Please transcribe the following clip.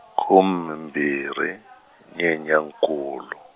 khume mbirhi, Nyenyankulu.